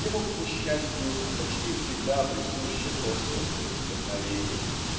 Ему, к несчастью, почти всегда присуща косвенность вдохновений.